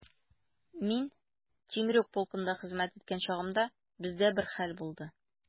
Мин Темрюк полкында хезмәт иткән чагымда, бездә бер хәл булды.